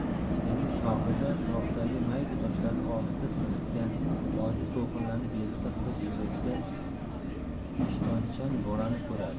dengiz sohilida qirg'oqdagi mayda toshlarni ohista silayotgan ojiz to'lqinlarni bezovta qilib yugurayotgan ishtonchan bolani ko'radi